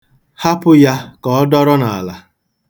Hapụ ya ka ọ dọrọ n'ala